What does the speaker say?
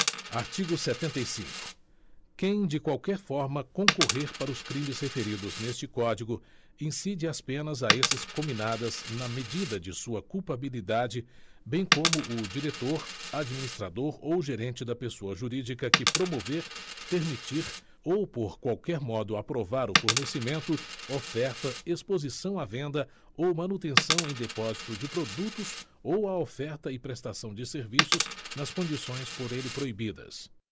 artigo setenta e cinco quem de qualquer forma concorrer para os crimes referidos neste código incide as penas a esses cominadas na medida de sua culpabilidade bem como o diretor administrador ou gerente da pessoa jurídica que promover permitir ou por qualquer modo aprovar o fornecimento oferta exposição à venda ou manutenção em depósito de produtos ou a oferta e prestação de serviços nas condições por ele proibidas